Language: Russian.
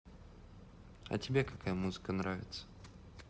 а тебе какая музыка нравится